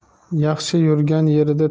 yaxshi yurgan yerida